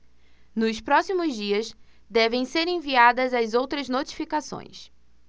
nos próximos dias devem ser enviadas as outras notificações